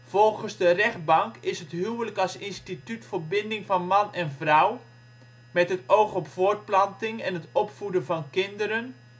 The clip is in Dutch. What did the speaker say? Volgens de rechtbank " is het huwelijk als instituut voor binding van man en vrouw, met het oog op voortplanting en het opvoeden van kinderen